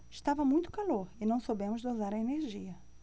estava muito calor e não soubemos dosar a energia